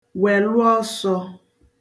wèlụ ọsō